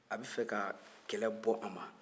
a b'a ka kɛlɛ bɔ a ma